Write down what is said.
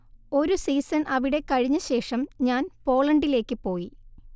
ഒരു സീസൺ അവിടെ കഴിഞ്ഞശേഷം ഞാൻ പോളണ്ടിലേയ്ക്ക് പോയി